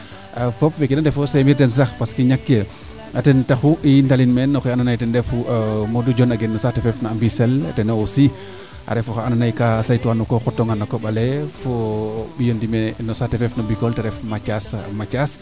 fop weeke de ndefoyo seemir den sax parce que ñakkee ten taxu i ndelin meen oxee ando naye ten refu Modou Dione a gen no saate fee refna a Mbisele teno aussi a refo xe ando naye ka seytuwa no kee farna na koɓale fo o ɓiyo ndime no saate fee ref na Bikole te ref Mathiase Mathiase